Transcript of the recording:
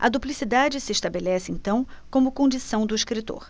a duplicidade se estabelece então como condição do escritor